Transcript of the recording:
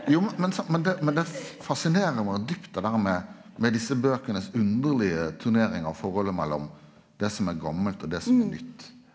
jo men sa men det men det fasinerer meg djupt det der med med desse bøkenes underlege turneringar og forholdet mellom det som er gammalt og det som er nytt.